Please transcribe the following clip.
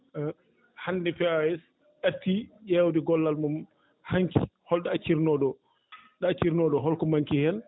hannde POAS ɗattii ƴeewde gollal mum hanki holɗo accirnoo ɗoo ɗo accirnoo ɗoo holko manque ki heen